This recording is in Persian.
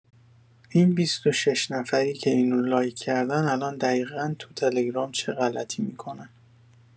این ۲۶ نفری که اینو لایک کردن الان دقیقا تو تلگرام چه غلطی می‌کنن؟